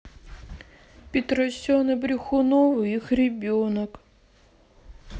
петросян и брехунова их ребенок